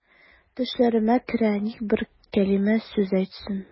Төшләремә керә, ник бер кәлимә сүз әйтсен.